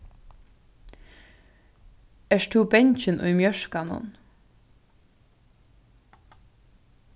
ert tú bangin í mjørkanum